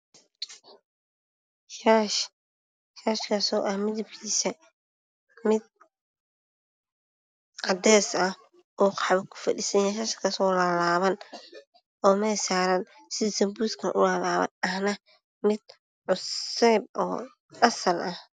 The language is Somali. Waa shaash cadeys ah oo kalar qaxwi ah ku firdhisan yahay waana laalaaban yahay, oo meel saaran waana mid cusub.